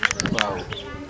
waaw